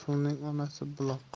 suvning onasi buloq